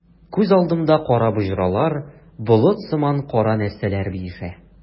Күз алдымда кара боҗралар, болыт сыман кара нәрсәләр биешә.